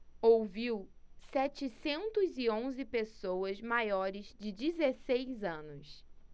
ouviu setecentos e onze pessoas maiores de dezesseis anos